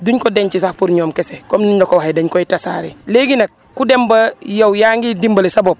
duñ ko denc sax pour ñoom kese comme ni ma la ko waxee dañ koy tasaare léegi nag ku dem ba yow yaa ngi dimbali sa bopp